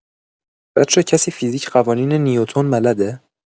بچه‌ها کسی فیزیک قوانین نیوتن بلده؟